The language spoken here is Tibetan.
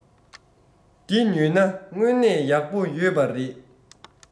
འདི ཉོས ན སྔོན ནས ཡག པོ ཡོད པ རེད